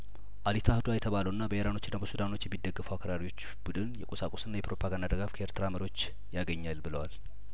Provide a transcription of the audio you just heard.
አል ኢትሀዷ የተባለውና በኢራኖችና በሱዳኖች የሚደገፈው አክራሪዎች ቡድን የቁሳቁስና የፕሮፓጋንዳ ድጋፍ ከኤርትራ መሪዎች ያገኛል ብለዋል